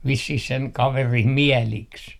vissiin sen kaverin mieliksi